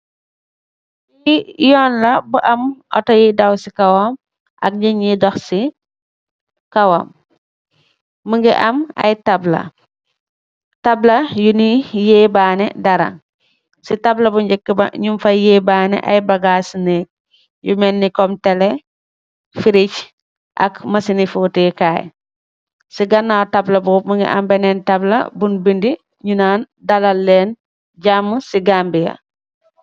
Lii yoon la bu am otto yuy daw si kowam, ak nit ñuy dox si kowam. Mu ngi am tablë yu ñuy yébaanëy dara. Si tabla bu ñaakë ba ñung si yébaane ay bagaas i nëëk, yu melni kom tele, firige ak masini foote kaay. Si ganaaw tabla boop, mu ngi am tablë, buñg bindë, ñu naan dallal leen jaamu si Gambiya.